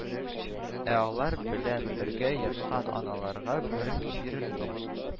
Ә алар белән бергә яткан аналарга берни бирелми